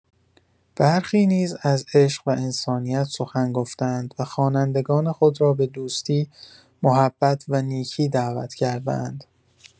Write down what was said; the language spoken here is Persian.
برخی نیز از عشق و انسانیت سخن گفته‌اند و خوانندگان خود را به دوستی، محبت و نیکی دعوت کرده‌اند.